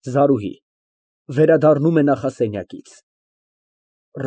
ԶԱՐՈՒՀԻ ֊ (Վերադառնում է նախասենյակից)։